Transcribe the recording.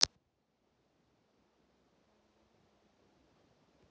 собака спаниэль